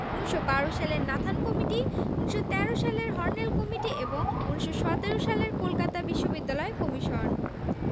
১৯১২ সালের Nathan committee ১৯১৩ সালের Hornell committee এবং ১৯১৭ সালের কলকাতা বিশ্ববিদ্যালয় কমিশন